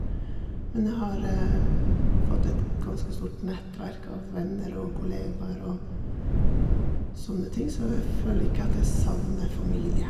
Men jeg har fått et ganske stort nettverk av venner og kollegaer og sånne ting, så jeg føler ikke at jeg savner familie.